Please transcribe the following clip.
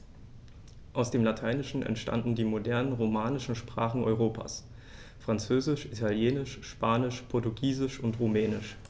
Aus dem Lateinischen entstanden die modernen „romanischen“ Sprachen Europas: Französisch, Italienisch, Spanisch, Portugiesisch und Rumänisch.